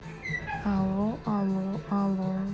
алло алло алло